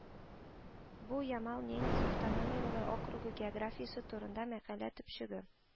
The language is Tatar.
Бу Ямал-Ненец автономияле округы географиясе турында мәкалә төпчеге